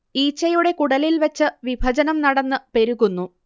ഈച്ചയുടെ കുടലിൽ വച്ച് വിഭജനം നടന്ന് പെരുകുന്നു